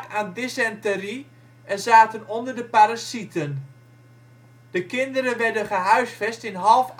aan dysenterie en zaten onder de parasieten. De kinderen werden gehuisvest in half